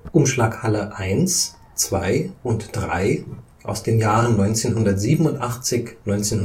Umschlaghalle I (UGM I), 1987 [19